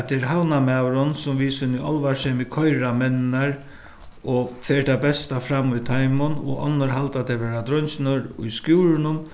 at tað er havnarmaðurin sum við síni álvarsemi koyrir á menninar og fær tað besta fram í teimum og onnur halda tað vera dreingirnar í skúrinum